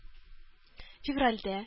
Февральдә